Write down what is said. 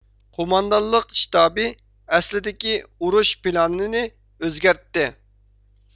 قوماندانلىق شتابى ئەسلىدىكى ئۇرۇش پىلانىنى ئۆزگەرتتى